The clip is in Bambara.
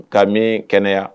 Kami kɛnɛya